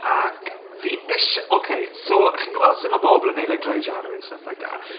Ac fi isi-... oce so chi'n gwybod sut mae bobl yn wneud like dry January and stuff like that.